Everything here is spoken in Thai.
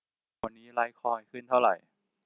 วันนี้ไลท์คอยน์ขึ้นเท่าไหร่